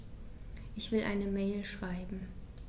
Ich will eine Mail schreiben.